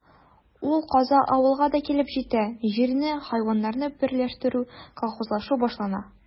Ул каза авылга да килеп җитә: җирне, хайваннарны берләштерү, колхозлашу башлана.